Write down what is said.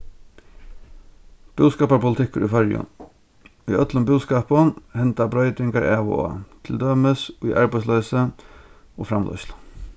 búskaparpolitikkur í føroyum í øllum búskapum henda broytingar av og á til dømis í arbeiðsloysi og framleiðslu